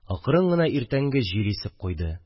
Акрын гына иртәнге җил исеп куйды